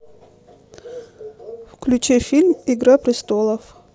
включи фильм игра престолов